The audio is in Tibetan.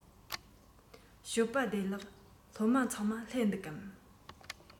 ཞོགས པ བདེ ལེགས སློབ མ ཚང མ སླེབས འདུག གམ